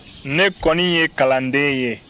ne kɔni ye kalanden ye